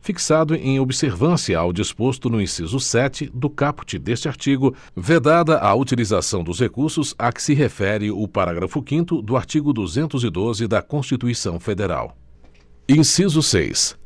fixado em observância ao disposto no inciso sete do caput deste artigo vedada a utilização dos recursos a que se refere o parágrafo quinto do artigo duzentos e doze da constituição federal inciso seis